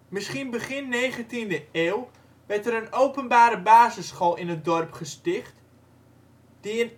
Misschien begin 19e eeuw werd er een openbare basisschool in het dorp gesticht die in 1857